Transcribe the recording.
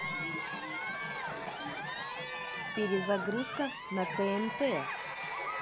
перезагрузка на тнт